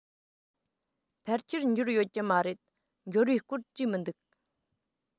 ཕལ ཆེར འབྱོར ཡོད ཀྱི མ རེད འབྱོར བའི སྐོར བྲིས མི འདུག